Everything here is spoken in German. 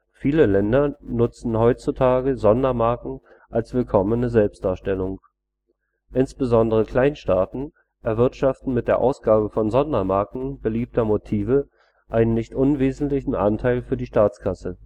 Viele Länder nutzen heutzutage Sondermarken als willkommene Selbstdarstellung. Insbesondere Kleinstaaten erwirtschaften mit der Ausgabe von Sondermarken beliebter Motive einen nicht unwesentlichen Anteil für die Staatskasse